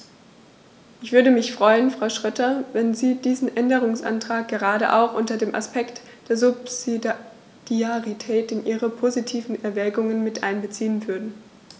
Ich würde mich freuen, Frau Schroedter, wenn Sie diesen Änderungsantrag gerade auch unter dem Aspekt der Subsidiarität in Ihre positiven Erwägungen mit einbeziehen würden.